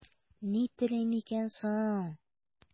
Ни телим икән соң?